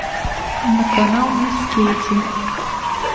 на канал мисс кейти